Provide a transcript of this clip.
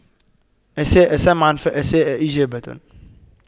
أساء سمعاً فأساء إجابة